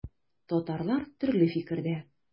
Татарлар төрле фикердә.